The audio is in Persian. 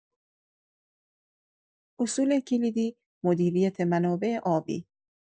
اصول کلیدی مدیریت منابع آبی